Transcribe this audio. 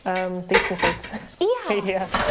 Yym dating site. Ia? Ia.